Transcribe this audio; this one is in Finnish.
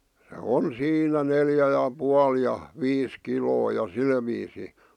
se on siinä neljä ja puoli ja viisi kiloa ja sillä viisiin